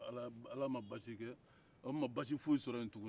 ala ma basi kɛ an ma baasi foyi sɔrɔ yen tugun